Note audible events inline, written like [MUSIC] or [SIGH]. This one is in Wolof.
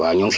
[HESITATION] [HESITATION]